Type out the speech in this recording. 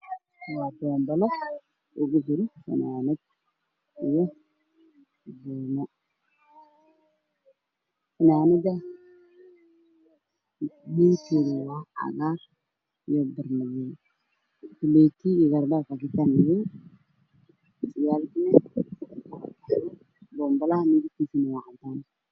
Waxaa ii muuqda bomba lacag ah oo wato fannaanad cagaar collective waa madow dhexda waxa ugu yaallo caleemo mid madow hoosna wuxuu ka qabaa kastuumo yar oo hoos lagu xirto